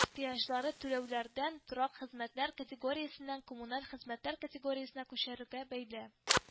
Ихтыяҗлары түләүләрен торак хезмәтләр категориясеннән коммуналь хезмәтләр категориясенә күчерүгә бәйле